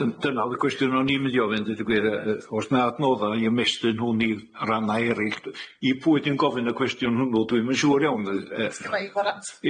Dyn- dyna o'dd y cwestiwn o'n i'n mynd i ofyn deud y gwir yy o's 'na adnodda i ymestyn hwn i ranna eryll dw- i pwy dwi'n gofyn y cwestiwn hwnnw dwi'm yn siŵr iawn ddeu- yy .